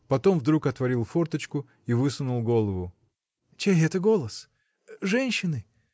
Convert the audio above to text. Потом вдруг отворил форточку и высунул голову. — Чей это голос?. женщины!